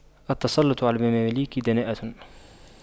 التسلُّطُ على المماليك دناءة